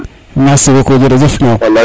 merci beaucoup jerejef